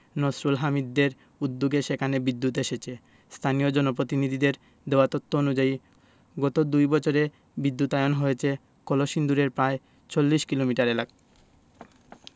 নসরুল হামিদদের উদ্যোগে সেখানে বিদ্যুৎ এসেছে স্থানীয় জনপ্রতিনিধিদের দেওয়া তথ্য অনুযায়ী গত দুই বছরে বিদ্যুতায়ন হয়েছে কলসিন্দুরের প্রায় ৪০ কিলোমিটার এলাকা